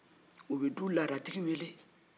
u bi du lada tigi wele